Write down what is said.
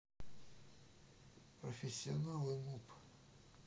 профессионал и нуб